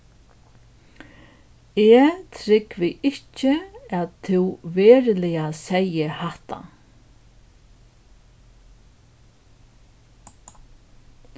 eg trúgvi ikki at tú veruliga segði hatta